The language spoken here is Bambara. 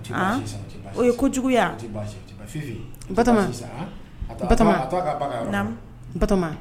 Aa o ye kojuguya